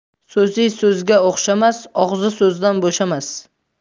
so'zi so'zga o'xshamas og'zi so'zdan bo'shamas